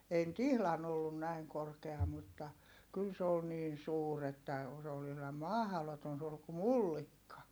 ei nyt ihan ollut näin korkea mutta kyllä se oli niin suuri että - se oli ihan mahdoton suuri kuin mullikka